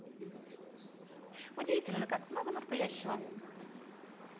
удивительная как много настоящего